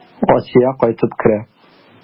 Асия кайтып керә.